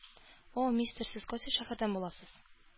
О, мистер, сез кайсы шәһәрдән буласыз?